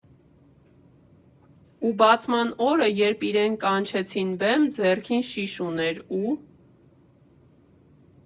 Ու բացման օրը, երբ իրեն կանչեցին բեմ, ձեռքին շիշ ուներ ու…